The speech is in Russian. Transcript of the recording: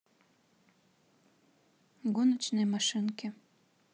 гоночные машинки